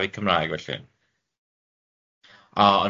sillafu Cymraeg felly?